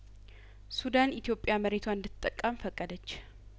ሱዳን ኢትዮጵያመሬቷን እንድት ጠቀም ፈቀደች